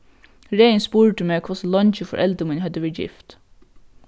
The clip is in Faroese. regin spurdi meg hvussu leingi foreldur míni høvdu verið gift